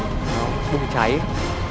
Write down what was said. bùng cháy